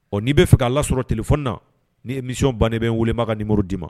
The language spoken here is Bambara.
Ɔɔ n'i bɛ fɛ K'a lasɔrɔ téléphone na ni émission baana i bɛ n weele n b'a ka numéro d'ii ma